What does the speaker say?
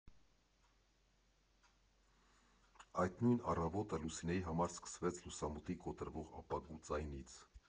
Այդ նույն առավոտը Լուսինեի համար սկսվեց լուսամուտի կոտրվող ապակու ձայնից։